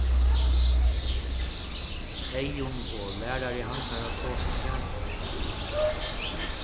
eyðun og lærari hansara tosa saman